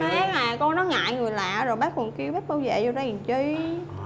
à con đã ngại người lạ rồi bác còn kêu bác bảo vệ vô đây chi